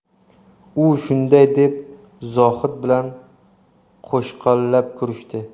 u shunday deb zohid bilan qo'shqo'llab ko'rishdi